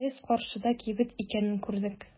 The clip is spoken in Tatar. Без каршыда кибет икәнен күрдек.